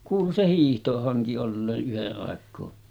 kuului se hiihtohanki olleen yhden aikaa